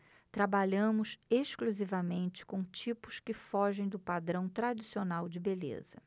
trabalhamos exclusivamente com tipos que fogem do padrão tradicional de beleza